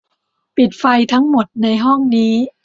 ปิดไฟทั้งหมดในห้องนี้